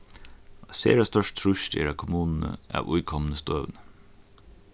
eitt sera stórt trýst er á kommununi av íkomnu støðuni